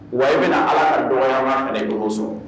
Wa bɛna ala dɔgɔ kan ani dɔgɔ sɔrɔ